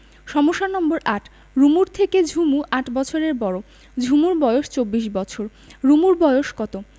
সমস্যা নম্বর ৮ রুমুর থেকে ঝুমু ৮ বছরের বড় ঝুমুর বয়স ২৪ বছর রুমুর বয়স কত